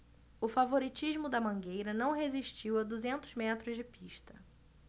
o favoritismo da mangueira não resistiu a duzentos metros de pista